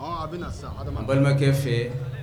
Ɔnhɔn a bɛ na sisan Adama. N balimakɛ fɛɛ